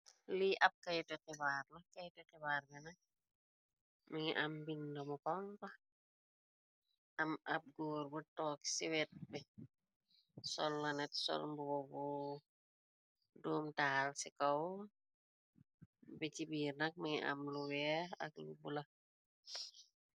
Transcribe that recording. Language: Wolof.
Lii ab kaytu xibaarna keytu xibaar na nag. Mi ngi am bindamu kongax am ab góor bu took ci wet be. Sol lo net sormbuo bu doom taal ci kaw bi ci biir nak mingi am lu weex ak nu bu la.